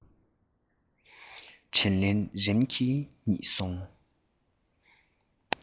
དྲིས ལན རིམ གྱིས རྙེད སོང